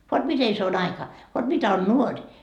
vot miten se aika vot mitä on nuori